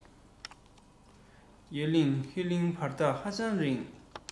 ཡ གླིང ཧྥེ གླིང བར ཐག ཧ ཅང རིང